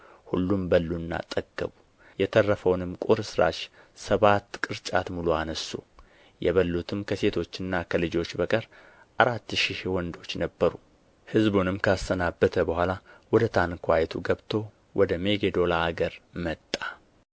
ሁሉም በሉና ጠገቡ የተረፈውንም ቁርስራሽ ሰባት ቅርጫት ሙሉ አነሡ የበሉትም ከሴቶችና ከልጆች በቀር አራት ሺህ ወንዶች ነበሩ ሕዝቡንም ካሰናበተ በኋላ ወደ ታንኳይቱ ገብቶ ወደ መጌዶል አገር መጣ